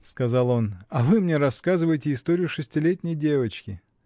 — сказал он, — а вы мне рассказываете историю шестилетней девочки!